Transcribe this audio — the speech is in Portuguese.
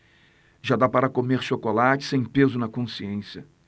já dá para comer chocolate sem peso na consciência